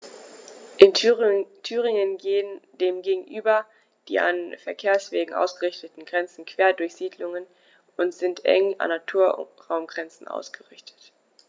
In Thüringen gehen dem gegenüber die an Verkehrswegen ausgerichteten Grenzen quer durch Siedlungen und sind eng an Naturraumgrenzen ausgerichtet.